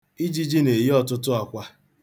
Ijiji na-eyi ọtụtụ akwa.